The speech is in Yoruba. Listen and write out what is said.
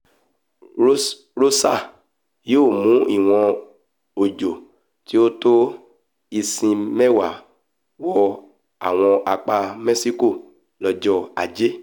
Rosa yóò mú ìwọn òjò tí ó tó íǹsì mẹ́wàá wọ àwọn apá Mẹ́ṣíkò lọ́jọ́ Ajé.